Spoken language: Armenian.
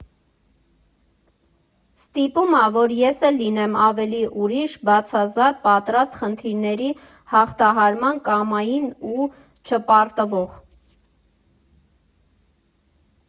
Ստիպում ա, որ ես էլ լինեմ ավելի ուրիշ, բացազատ, պատրաստ խնդիրների հաղթահարման, կամային ու չպարտվող։